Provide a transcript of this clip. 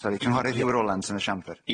Sori cynghorydd Huw Rowlands yn y siamper.